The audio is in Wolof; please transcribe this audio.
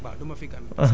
waa du ma fi gan